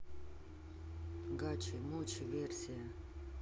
гачи мучи версия